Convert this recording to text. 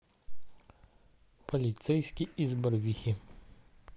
полицейский из барвихи